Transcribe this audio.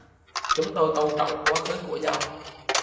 chúng tôi tôn trọng quá khứ của nhau